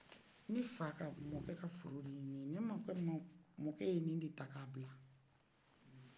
ne mɔkɛ ka foro ninu ne mɔkɛ ye ni de ta ka bla